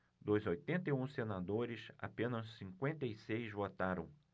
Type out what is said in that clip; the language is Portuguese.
dos oitenta e um senadores apenas cinquenta e seis votaram